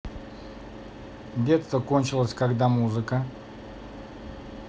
детство кончилось когда музыка